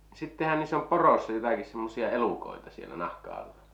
sittenhän niissä on poroissa jotakin semmoisia elukoita siellä nahkan alla